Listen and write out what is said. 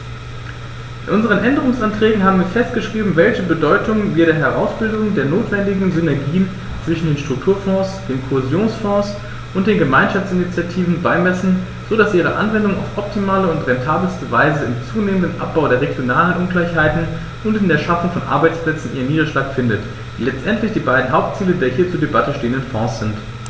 In unseren Änderungsanträgen haben wir festgeschrieben, welche Bedeutung wir der Herausbildung der notwendigen Synergien zwischen den Strukturfonds, dem Kohäsionsfonds und den Gemeinschaftsinitiativen beimessen, so dass ihre Anwendung auf optimale und rentabelste Weise im zunehmenden Abbau der regionalen Ungleichheiten und in der Schaffung von Arbeitsplätzen ihren Niederschlag findet, die letztendlich die beiden Hauptziele der hier zur Debatte stehenden Fonds sind.